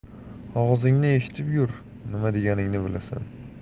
og'zingni eshitib yur nima deganingni bilasan